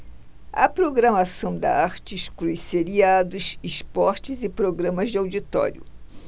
a programação da arte exclui seriados esportes e programas de auditório